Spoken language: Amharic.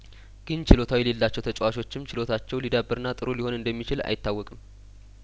ግን ችሎታው የሌላቸው ተጫዋቾችም ችሎታቸው ሊዳብርና ጥሩ ሊሆን እንደሚችል አይታወቅም